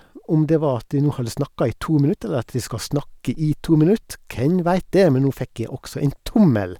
Om det var at jeg nå hadde snakka i to minutt, eller at jeg skal snakke i to minutt, hvem vet det, men nå fikk jeg også en tommel.